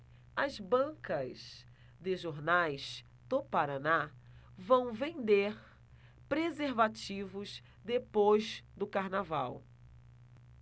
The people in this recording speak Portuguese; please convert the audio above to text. as bancas de jornais do paraná vão vender preservativos depois do carnaval